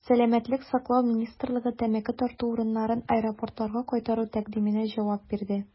Сәламәтлек саклау министрлыгы тәмәке тарту урыннарын аэропортларга кайтару тәкъдименә җавап бирде.